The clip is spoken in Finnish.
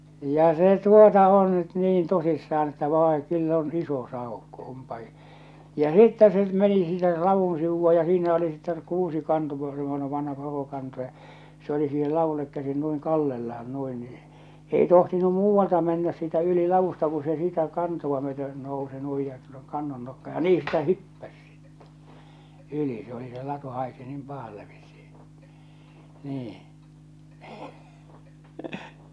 ja se tuota on nyt niin tosissaan että vai kyllä on iso saukko onpa - ja sitten se meni sinne ladun sivulla ja siinä oli sitten kuusikanto semmoinen vanha korokanto ja se oli siihen ladulle käsin noin kallellaan noin niin ei tohtinut muualta mennä siitä yli ladusta kun se siitä kantoa myöten nousi noin ja tuonne kannon nokkaan ja niin sitä hyppäsi sitten yli se oli se latu haisi niin pahalle vissiin niin